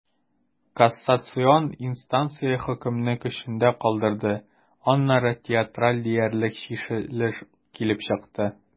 Кассацион инстанция хөкемне көчендә калдырды, аннары театраль диярлек чишелеш килеп чыкты.